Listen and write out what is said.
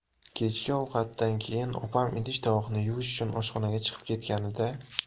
kechki ovqatdan keyin opam idish tovoqni yuvish uchun oshxonaga chiqib ketganida